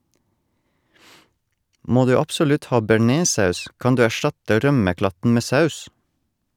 Må du absolutt ha bearnéssaus, kan du erstatte rømmeklatten med saus.